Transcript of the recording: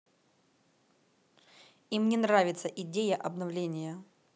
им не нравится идея обновления